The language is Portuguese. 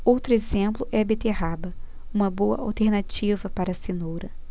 outro exemplo é a beterraba uma boa alternativa para a cenoura